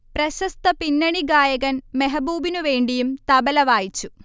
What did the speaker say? പ്രശസ്ത പിന്നണിഗായകൻ മെഹബൂബിനു വേണ്ടിയും തബല വായിച്ചു